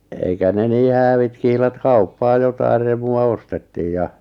eikä ne niin häävit kihlat kauppaa jotakin remua ostettiin ja